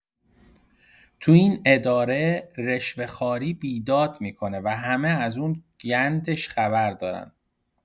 تو این اداره، رشوه‌خواری بیداد می‌کنه و همه از اون گندش خبر دارن.